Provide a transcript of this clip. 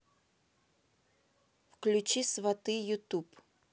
включи сваты ютуб